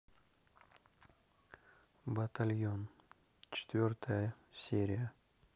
батальон четвертая серия